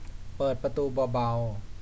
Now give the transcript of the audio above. เปิดประตูเบาๆ